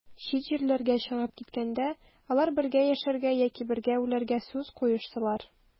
Чит җирләргә чыгып киткәндә, алар бергә яшәргә яки бергә үләргә сүз куештылар.